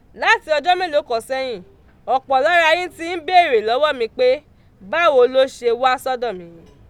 Láti ọjọ́ mélòó kan sẹ́yìn, ọ̀pọ̀ lára yín ti ń béèrè lọ́wọ́ mi pé, Báwo lo ṣe wá sọ́dọ̀ mi?